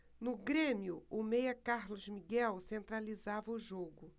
no grêmio o meia carlos miguel centralizava o jogo